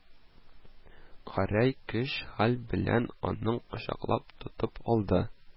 Гәрәй көч-хәл белән аны кочаклап тотып алды